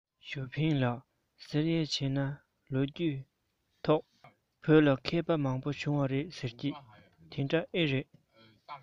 ཞའོ ཧྥུང ལགས ཟེར ཡས ལ བྱས ན ལོ རྒྱུས ཐོག བོད ལ མཁས པ མང པོ བྱུང བ རེད ཟེར གྱིས དེ འདྲ རེད པས